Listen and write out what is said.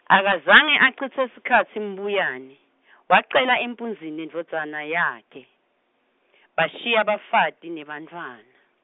akazange acitse sikhatsi Mbuyane , wacela empunzini nemadvodzana akhe , bashiya bafati, nebantfwana.